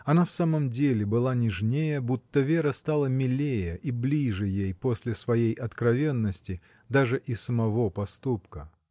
Она в самом деле была нежнее, будто Вера стала милее и ближе ей после своей откровенности, даже и самого проступка.